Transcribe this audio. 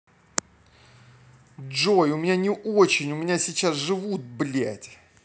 джой у меня они очень у меня сейчас живут блядь